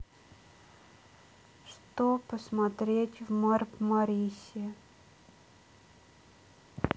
что посмотреть в мармарисе